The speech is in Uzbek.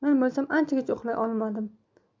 men bo'lsam anchagacha uxlolmay yotdim